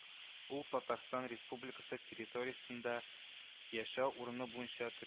Ул Татарстан Республикасы территориясендә яшәү урыны буенча